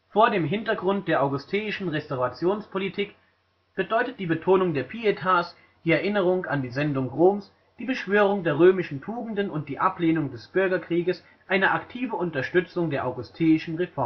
Vor dem Hintergrund der augusteischen Restaurationspolitik bedeutet die Betonung der pietas, die Erinnerung an die Sendung Roms, die Beschwörung der römischen Tugenden und die Ablehnung des Bürgerkrieges eine aktive Unterstützung der augusteischen Reformen